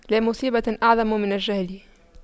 لا مصيبة أعظم من الجهل